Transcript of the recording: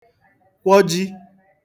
kwọji